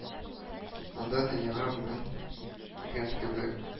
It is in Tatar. Анда, дөньяга бүген килгән кебек